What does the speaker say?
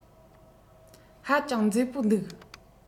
ཧ ཅང མཛེས པོ འདུག